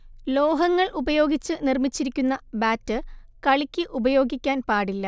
ലോഹങ്ങൾ ഉപയോഗിച്ച് നിർമിച്ചിരിക്കുന്ന ബാറ്റ് കളിക്ക് ഉപയോഗിക്കാൻ പാടില്ല